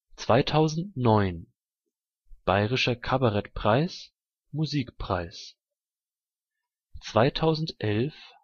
2009: Bayerischer Kabarettpreis: Musikpreis 2011